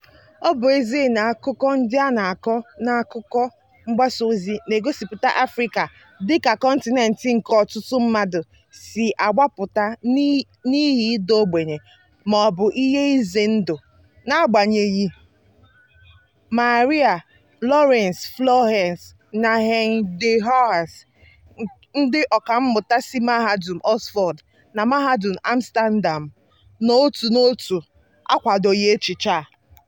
Ọ bụ ezie na akụkọ ndị a na-akọ n'akụkọ mgbasaozi na-egosipụta Afrịka dịka kọntinent nke ọtụtụ mmadụ si agbapụ n'ihi ịda ogbenye mọọbụ ihe ize ndụ. N'agbanyeghị, Marie-Laurence Flahaux na Hein De Haas, ndị ọkàmmụta si Mahadum Oxford na Mahadum Amsterdam, n'otu n'otu, akwadoghị echiche a.